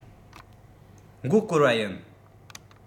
མགོ སྐོར བ ཡིན